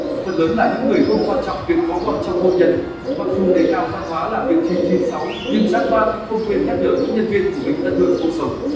phần lớn là những người không quan trọng việc có con trong hôn nhân mặc dù đề cao văn hóa làm việc nhưng jack ma cũng không quên nhắc nhở những nhân viên của mình tận hưởng cuộc sống